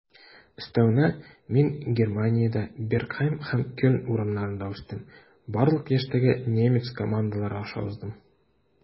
Өстәвенә, мин Германиядә, Бергхайм һәм Кельн урамнарында үстем, барлык яшьтәге немец командалары аша уздым.